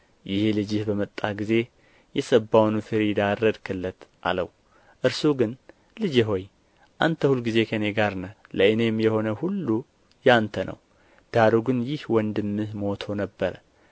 ይህ ልጅህ በመጣ ጊዜ የሰባውን ፊሪዳ አረድህለት አለው እርሱ ግን ልጄ ሆይ አንተ ሁልጊዜ ከእኔ ጋር ነህ ለእኔም የሆነ ሁሉ የአንተ ነው ዳሩ ግን ይህ ወንድምህ ሞቶ ነበረ